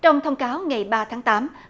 trong thông cáo ngày ba tháng tám